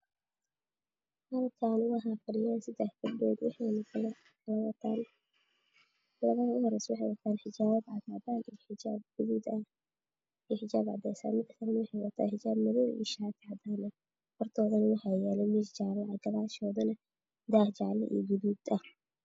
Halkan waxaa fadhiyo sadex gabdhood sadex wiil shaati cadaan